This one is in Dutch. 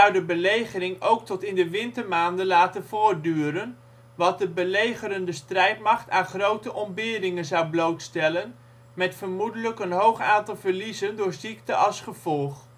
de belegering ook tot in de wintermaanden laten voortduren, wat de belegerende strijdmacht aan grote ontberingen zou blootstellen met vermoedelijk een hoog aantal verliezen door ziekte als gevolg